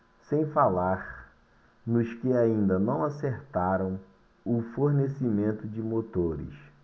sem falar nos que ainda não acertaram o fornecimento de motores